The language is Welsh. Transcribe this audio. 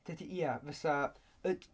Dydy... Ie fysa yy...